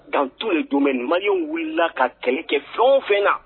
Dans tous les domaines maliyɛn wilila ka kɛlɛ kɛ fɛnw fɛnw na